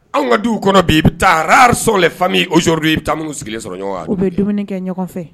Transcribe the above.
Anw ka du kɔnɔ bi i bɛ taa sɔrɔ la fao i bɛ taa minnu sigilen sɔrɔ ɲɔgɔn o bɛ dumuni kɛ ɲɔgɔn fɛ